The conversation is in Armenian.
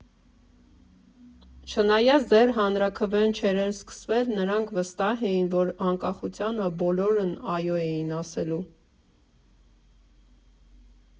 Չնայած դեռ հանրաքվեն չէր էլ սկսվել, նրանք վստահ էին, որ անկախությանը բոլորն «այո» են ասելու։